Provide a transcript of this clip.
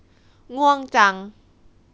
ง่วงจัง